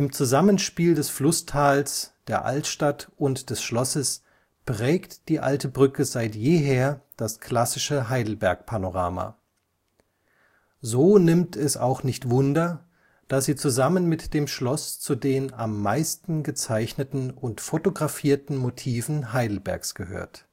Zusammenspiel des Flusstals, der Altstadt und des Schlosses prägt die Alte Brücke seit jeher das klassische Heidelberg-Panorama. So nimmt es auch nicht wunder, dass sie zusammen mit dem Schloss zu den am meisten gezeichneten und fotografierten Motiven Heidelbergs gehört